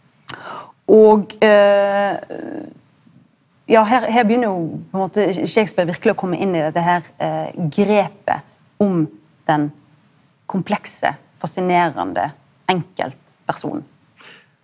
og ja her her begynner jo på ein måte Shakespeare verkeleg å komme inn i dette her grepet om den komplekse fasinerande enkeltpersonen.